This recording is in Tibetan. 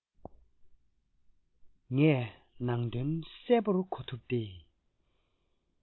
ངས ནང དོན གསལ བོར གོ ཐུབ སྟེ